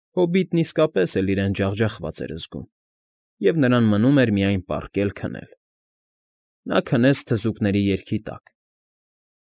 Հոբիտն իսկապես էլ իրեն ջախջախված էր զգում, և նրան մնում էր միայն պառկել քնել։ նա քնեց թզուկների երգի տակ։